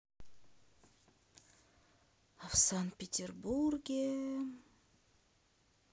а в санкт петербурге